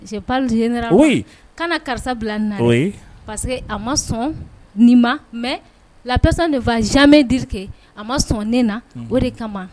Je parle généralement oui kana karisa bila ni na parce que a ma sɔn nin ma mais la personne ne va jamis dire que a ma sɔn ne na unhun o de kama